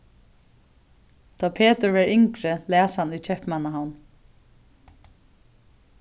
tá petur var yngri las hann í keypmannahavn